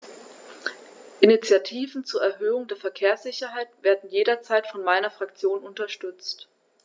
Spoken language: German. Initiativen zur Erhöhung der Verkehrssicherheit werden jederzeit von meiner Fraktion unterstützt.